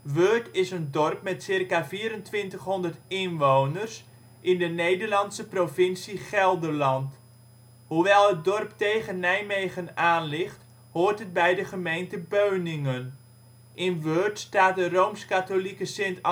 Weurt is een dorp met circa 2400 (2008) inwoners in de Nederlandse provincie Gelderland. Hoewel het dorp tegen Nijmegen aan ligt hoort het bij de gemeente Beuningen. In Weurt staat de rooms-katholieke Sint Andreaskerk